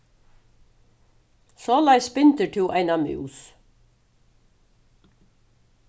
soleiðis bindur tú eina mús